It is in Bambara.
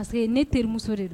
Ne terimuso de do